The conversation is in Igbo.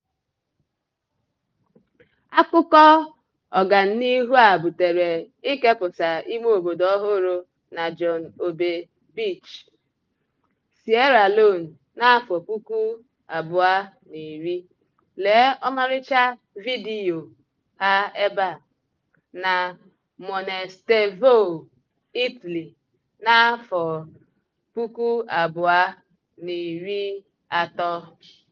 Akụkọ ọganihu a butere ikepụta imeobodo ọhụrụ na John Obey Beach, Sierra Leone na 2010 (Lee ọmarịcha vidiyo ha ebe a) na Monestevole, Italy na 2013.